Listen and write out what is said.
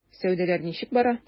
Сәүдәләр ничек бара?